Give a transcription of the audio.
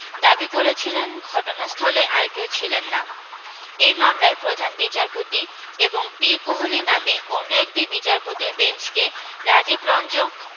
দাবি করেছিলেন ঘটনাস্থলে আর কেউ ছিলেন না এই মামলায় প্রধান বিচারপতি এবং পি কোহলি নামে অন্য একটি বিচারপতীর বেঞ্চকে রাজীব রঞ্জক